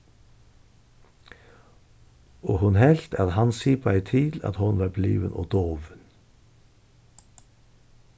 og hon helt at hann sipaði til at hon var blivin ov dovin